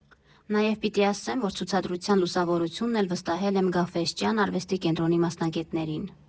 Նաև պիտի ասեմ, որ ցուցադրության լուսավորությունն էլ վստահել եմ Գաֆէսճեան արվեստի կենտրոնի մասնագետներին։